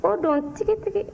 o don tigitigi